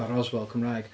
y Roswell Cymraeg.